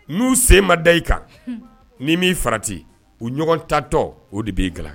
N'u sen ma da i kan n'i m'i farati, u ɲɔgɔn tantɔ, unhun, o de b'i.